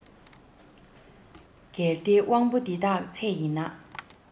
གལ ཏེ དབང པོ འདི དག ཚད ཡིན ན